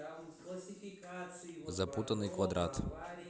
запутанный квадрат